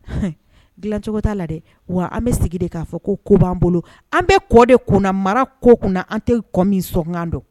Dilancogo' la dɛ wa an bɛ sigi de k'a fɔ ko b'an bolo an bɛ kɔ de kunna mara ko kunna an tɛ kɔ min sɔn don